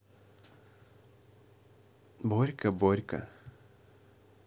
борька борька